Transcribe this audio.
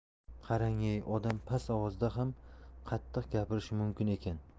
qarang ey odam past ovozda ham qattiq gapirishi mumkin ekan